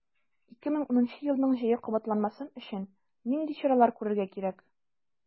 2010 елның җәе кабатланмасын өчен нинди чаралар күрергә кирәк?